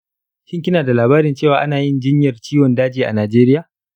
shin kina da labarin cewa anayin jinyar ciwon daji a nijeriya?